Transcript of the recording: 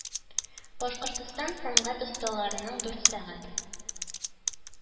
Башкортстан сәнгать осталарының дүрт сәгать